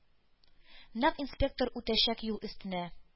Нәкъ инспектор үтәчәк юл өстенә